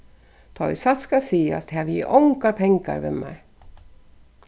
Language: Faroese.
tá ið satt skal sigast havi eg ongar pengar við mær